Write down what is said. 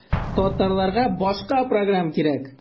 Татарларга башка программ кирәк.